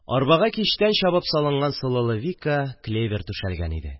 Арбага кичтән чабып салынган солылы вика, клевер түшәлгән иде